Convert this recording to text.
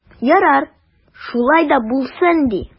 Ярар, шулай да булсын ди.